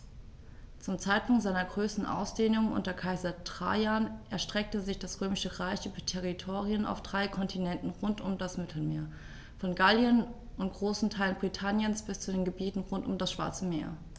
Zum Zeitpunkt seiner größten Ausdehnung unter Kaiser Trajan erstreckte sich das Römische Reich über Territorien auf drei Kontinenten rund um das Mittelmeer: Von Gallien und großen Teilen Britanniens bis zu den Gebieten rund um das Schwarze Meer.